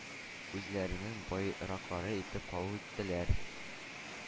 Үзләренең байраклары итеп кабул иттеләр.